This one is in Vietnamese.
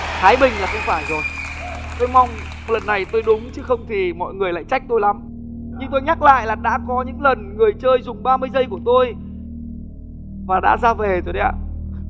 thái bình là không phải rồi tôi mong lần này tôi đúng chứ không thì mọi người lại trách tôi lắm nhưng tôi nhắc lại là đã có những lần người chơi dùng ba mươi giây của tôi và đã ra về rồi đấy ạ